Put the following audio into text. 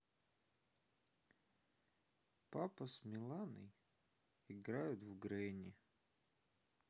папа с миланой играют в гренни